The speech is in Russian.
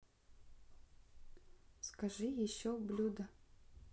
скажи еще блюдо